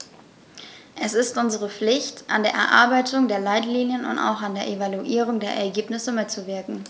Es ist unsere Pflicht, an der Erarbeitung der Leitlinien und auch an der Evaluierung der Ergebnisse mitzuwirken.